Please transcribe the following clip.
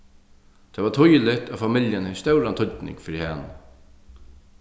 tað var týðiligt at familjan hevði stóran týdning fyri hana